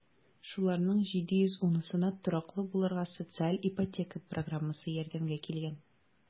Шуларның 710-сына тораклы булырга социаль ипотека программасы ярдәмгә килгән.